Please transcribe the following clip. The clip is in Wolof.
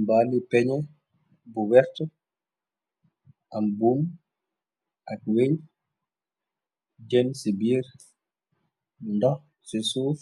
Mbal li peñe bu wert, am buum ak wiñ. Jenn ci biir ndox ci suuf ,